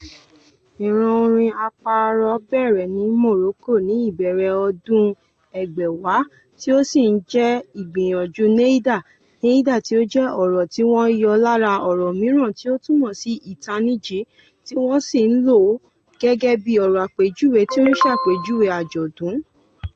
Ìran orin apààrọ̀ bẹ̀rẹ̀ ní Morocco ní ìbẹ̀rẹ̀ ọdún 2000 tí ó sì ń jẹ́ ìgbìyànjú Nayda ("nayda" tí ó jẹ́ ọ̀rọ̀ tí wọ́n yọ lára ọ̀rọ̀ mìíràn ni ó túmọ̀ sí "ìtanijí", tí wọ́n sì ń lò ó gẹ́gẹ́ bí ọ̀rọ̀ àpèjúwe tí ó ń ṣe àpèjúwe àjọ̀dún).